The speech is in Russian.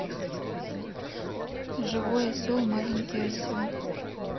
живой осел маленький осел